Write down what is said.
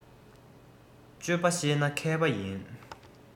སྤྱོད པ ཤེས ན མཁས པ ཡིན